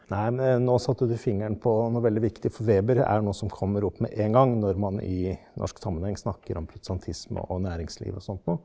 nei men nå satte du fingeren på noe veldig viktig for Weber er noe som kommer opp med en gang når man i norsk sammenheng snakker om protestantisme og næringsliv og sånt noe.